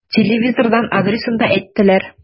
Телевизордан адресын да әйттеләр.